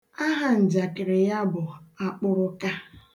Ahanjakịrị ya bụ Akpụrụka.